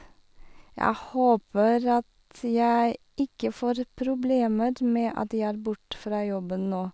Jeg håper at jeg ikke får problemer med at jeg er bort fra jobben nå.